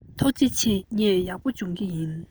ཐུགས རྗེ ཆེ ངས ཡག པོ སྦྱོང གི ཡིན